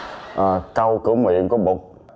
ờ câu cửa miệng của bụt